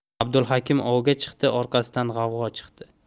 abdulhakim ovga chiqdi orqasidan g'avg'o chiqdi